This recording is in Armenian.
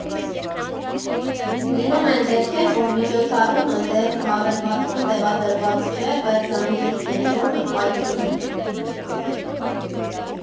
Լինում են դեպքեր, որ միջոցառումը դեռ հավելվածում տեղադրված չէ, բայց զանգերի կենտրոնը պայթում է.